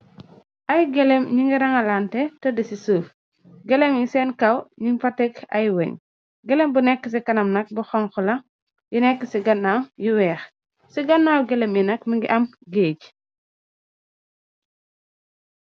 Ay gellem ñu ngi ragalanté teda ci suuf, ñing fa tég ay weñ, gellem bu nekka ci kanam nak bu xonxu la yu nèkka ci ganaw yu wèèx. Si ganaw gellem yi nak mugii am gaaj.